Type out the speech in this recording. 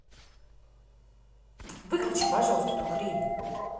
выключи пожалуйста эту хрень